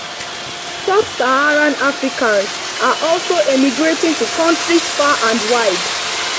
Sub-Saharan Africans are also emigrating to countries far and wide.